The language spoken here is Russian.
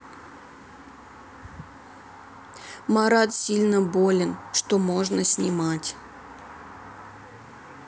марат сильно болен что можно снимать